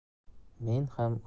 men ham o'zimni to'xtata